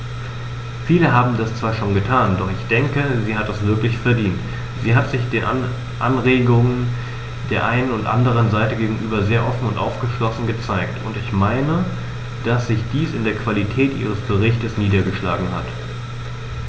Viele haben das zwar schon getan, doch ich denke, sie hat es wirklich verdient, denn sie hat sich Anregungen der einen und anderen Seite gegenüber sehr offen und aufgeschlossen gezeigt, und ich meine, dass sich dies in der Qualität ihres Berichts niedergeschlagen hat.